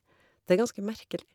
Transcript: Det er ganske merkelig.